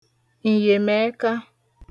ǹyèmẹka